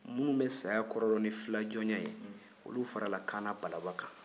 minnu bɛ saya kɔrɔ dɔn ni fulajɔnya ye olu farala kaana balaba kan